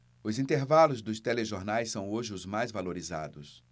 os intervalos dos telejornais são hoje os mais valorizados